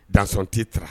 Dason t tɛi tarawele